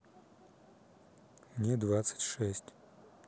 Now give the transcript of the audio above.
мне двадцать шесть